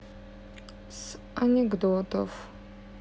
с анекдотов